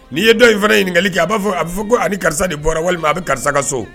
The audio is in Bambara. N'i ye dɔn in fana ye ɲininkakali kɛ a b'a fɔ a bɛ fɔ ko a ni karisa ni bɔra walima min a bɛ karisa ka so